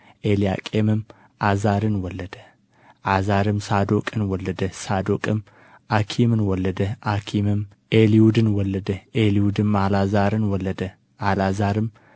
ኤልያቄምም አዛርን ወለደ አዛርም ሳዶቅን ወለደ ሳዶቅም አኪምን ወለደ አኪምም ኤልዩድን ወለደ ኤልዩድም አልዓዛርን ወለደ አልዓዛርም